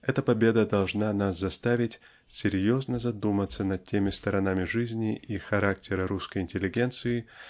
Эта победа должна нас заставить серьезно задуматься над теми сторонами жизни и характера русской интеллигенции